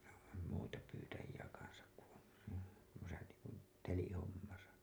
muita pyytäjiä kanssa kun on tuossa niin kuin telihommassa